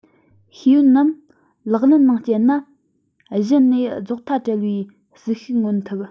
ཤེས ཡོན རྣམས ལག ལེན ནང སྤྱད ན གཞི ནས རྫོགས མཐའ བྲལ བའི ཟིལ ཤུགས མངོན ཐུབ